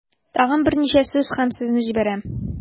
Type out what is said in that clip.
Тагын берничә сүз һәм сезне җибәрәм.